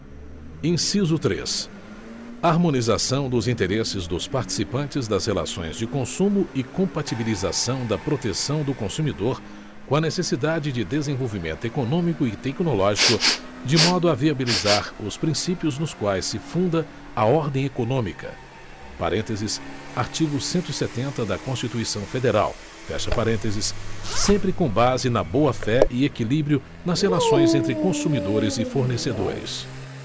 inciso três harmonização dos interesses dos participantes das relações de consumo e compatibilização da proteção do consumidor com a necessidade de desenvolvimento econômico e tecnológico de modo a viabilizar os princípios nos quais se funda a ordem econômica parênteses artigo cento e setenta da constituição federal fecha parênteses sempre com base na boa fé e equilíbrio nas relações entre consumidores e fornecedores